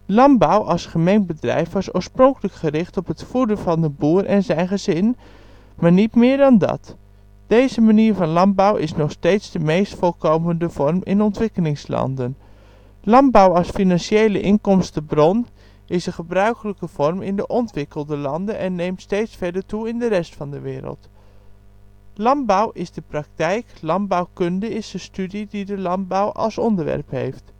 Landbouw als gemengd bedrijf was oorspronkelijk gericht op het voeden van de boer en zijn gezin, maar niet meer dan dat. Deze manier van landbouw is nog steeds de meest voorkomende vorm in ontwikkelingslanden. Landbouw als financiële inkomstenbron is de gebruikelijke vorm in de ontwikkelde landen en neemt steeds verder toe in de rest van de wereld. Landbouw is de praktijk, landbouwkunde is de studie die de landbouw als onderwerp heeft